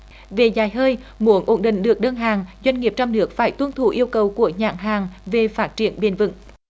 về dài hơi muốn ổn định được đơn hàng doanh nghiệp trong nước phải tuân thủ yêu cầu của nhãn hàng về phát triển bền vững